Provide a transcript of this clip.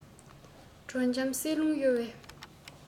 དྲོད འཇམ བསིལ རླུང གཡོ བའི